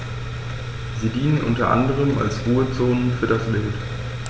Sie dienen unter anderem als Ruhezonen für das Wild.